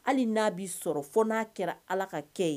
Hali n'a b bɛ sɔrɔ fo n'a kɛra ala ka kɛ ye